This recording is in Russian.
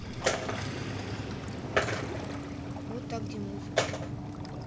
вот так где музыка то